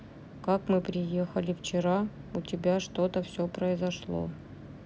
как мы приехали вчера у тебя что то все произошло